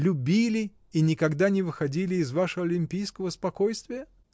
Любили и никогда не выходили из вашего олимпийского спокойствия?